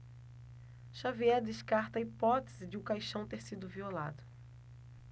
xavier descarta a hipótese de o caixão ter sido violado